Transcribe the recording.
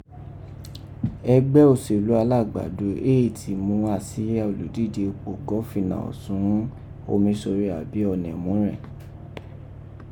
Ẹgbẹ oselu Alágbàdo éè ti mú asia oludije ipò gofina Ọṣun ghún Omisore, abi ọnẹmúrẹ̀n.